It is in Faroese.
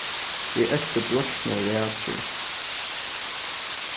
eg elski broysknar rækjur